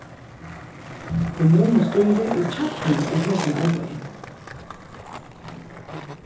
kommunustýrið er kjarnin í hesum arbeiði